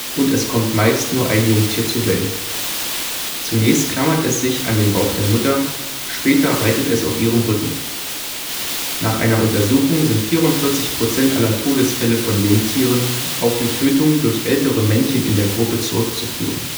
und es kommt meist nur ein Jungtier zur Welt. Zunächst klammert es sich an den Bauch der Mutter, später reitet es auf ihrem Rücken. Nach einer Untersuchung sind 44 % aller Todesfälle von Jungtieren auf die Tötung durch ältere Männchen in der Gruppe zurückzuführen